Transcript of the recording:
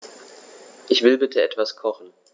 Ich will bitte etwas kochen.